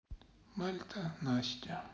мальта настя